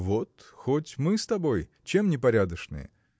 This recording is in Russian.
– Вот хоть мы с тобой – чем не порядочные?